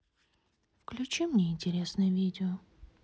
включи мне интересное видео